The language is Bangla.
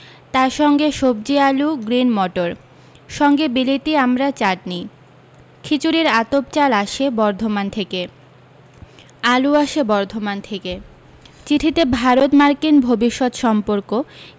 তার সঙ্গে সবজি আলু গ্রিন মটর সঙ্গে বিলিতি আমড়ার চাটনি খিচুড়ির আতপ চাল আসে বর্ধমান থেকে আলু আসে বর্ধমান থেকে চিঠিতে ভারত মার্কিন ভবিষ্যত সম্পর্ক